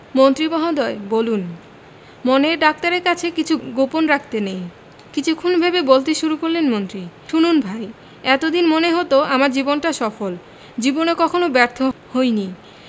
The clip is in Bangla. মন্ত্রী মহোদয় বলুন মনের ডাক্তারের কাছে কিছু গোপন রাখতে নেই কিছুক্ষণ ভেবে বলতে শুরু করলেন মন্ত্রী শুনুন ভাই এত দিন মনে হতো আমার জীবনটা সফল জীবনে কখনো ব্যর্থ হইনি